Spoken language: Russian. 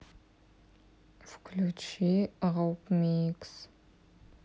включи роб микс